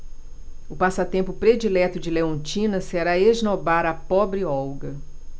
o passatempo predileto de leontina será esnobar a pobre olga